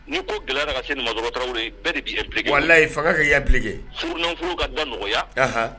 Ni' ko gɛlɛya ka sew bɛɛ de bi wala fanga ka ya ka da nɔgɔya